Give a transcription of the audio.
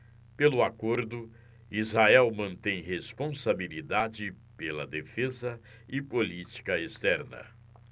pelo acordo israel mantém responsabilidade pela defesa e política externa